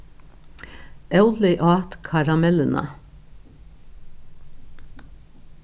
óli át karamelluna